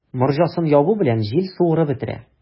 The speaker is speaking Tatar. Морҗасын ябу белән, җил суырып бетерә.